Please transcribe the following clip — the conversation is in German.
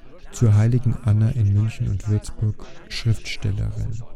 zur Heiligen Anna in München und Würzburg, Schriftstellerin